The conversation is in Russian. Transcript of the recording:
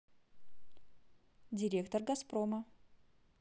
директор газпрома